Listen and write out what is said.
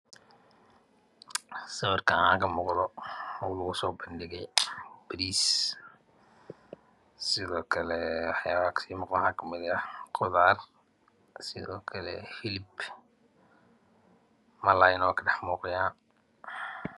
Sawirkan waxaa ka muuqdo oo lagu soo bandhigay bariis sidookale waxyaabaha kasii muuqdo waxaa kamid ah qudaar sidookale hilib malayna waa ka dhex muuqayaa